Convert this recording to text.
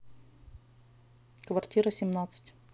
квартира семнадцать